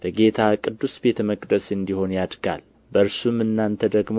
በጌታ ቅዱስ ቤተ መቅደስ እንዲሆን ያድጋል በእርሱም እናንተ ደግሞ